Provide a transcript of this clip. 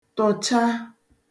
tụ̀cha